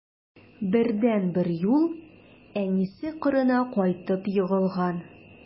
Бердәнбер юл: әнисе кырына кайтып егылган.